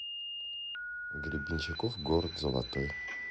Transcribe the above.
гребенщиков город золотой